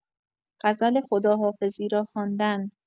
غزل خداحافظی را خواندن